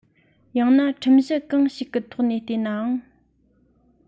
ཡང ན ཁྲིམས གཞི གང ཞིག གི ཐོག ནས བལྟས ན ཡང